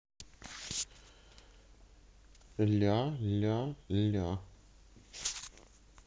ля ля ля